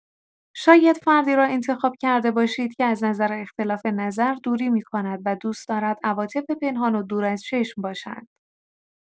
شاید فردی را انتخاب کرده باشید که از اختلاف‌نظر دوری می‌کند و دوست دارد عواطف پنهان و دور از چشم باشند.